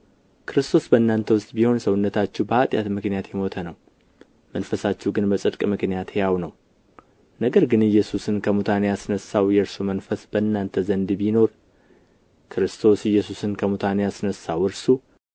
ክርስቶስ በእናንተ ውስጥ ቢሆን ሰውነታችሁ በኃጢአት ምክንያት የሞተ ነው መንፈሳችሁ ግን በጽድቅ ምክንያት ሕያው ነው ነገር ግን ኢየሱስን ከሙታን ያስነሣው የእርሱ መንፈስ በእናንተ ዘንድ ቢኖር ክርስቶስ ኢየሱስን ከሙታን ያስነሳው እርሱ